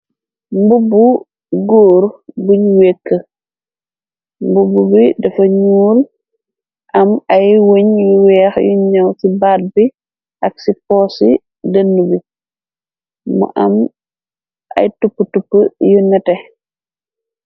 Mbubb bu góor buñ wekk. Mbubb bi dafa ñuur am ay wëñ yu weex yu ñëw ci baat bi ak ci poo ci dënu bi. Mu am ay tupp tup yu nete.